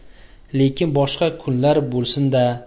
lekin boshqa kunlar bo'lsin da